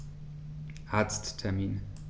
Arzttermin